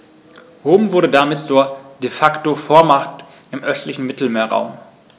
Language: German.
Rom wurde damit zur ‚De-Facto-Vormacht‘ im östlichen Mittelmeerraum.